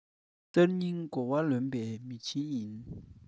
གསར རྙིང གོ བ ལོན པའི མི ཆེན ཡིན